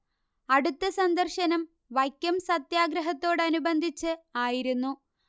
അടുത്ത സന്ദർശനം വൈക്കം സത്യാഗ്രഹത്തോടനുബന്ധിച്ച് ആയിരുന്നു